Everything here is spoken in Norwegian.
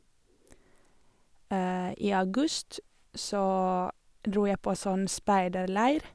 I august så dro jeg på sånn speiderleir.